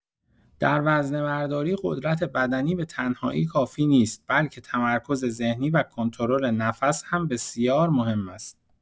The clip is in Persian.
در وزنه‌برداری، قدرت‌بدنی به‌تنهایی کافی نیست؛ بلکه تمرکز ذهنی و کنترل نفس هم بسیار مهم است.